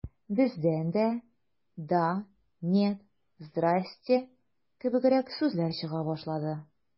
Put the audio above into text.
Бездән дә «да», «нет», «здрасте» кебегрәк сүзләр чыга башлады.